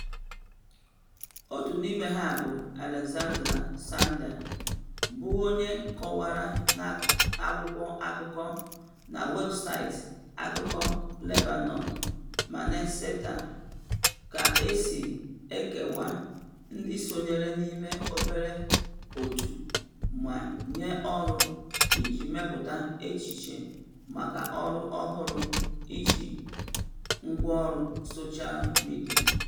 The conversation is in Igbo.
Otu n'ime ha bụ Alexandra Sandels bụ onye kọwara n'akwụkwọ akụkọ na webụsaịtị akụkọ Lebanon, Menassat, ka e si ekewa ndị sonyere n'ime obere òtù ma nye ọrụ iji mepụta echiche maka ọrụ ọhụrụ n'iji ngwáọrụ soshal midịa.